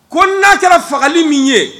Ko n'a kɛra fagali min ye